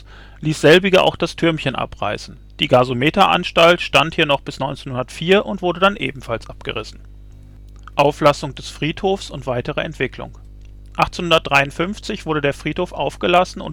selbige auch das Thürmchen abreißen. Die Gasometeranstalt stand hier noch bis 1904 und wurde dann ebenfalls abgerissen. Denkmal über dem Grab von Christian Koppe 1853 wurde der Friedhof aufgelassen